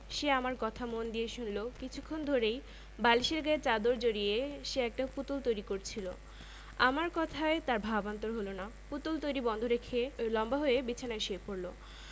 সে তার জ্যামিতি খাতায় আঁকি ঝুকি করতে লাগলো শেষ পর্যন্ত হঠাৎ উঠে দাড়িয়ে দাদা একটু পানি খেয়ে আসি বলে ছুটতে ছুটতে বেরিয়ে গেল রুনু বারো পেরিয়ে তেরোতে পড়েছে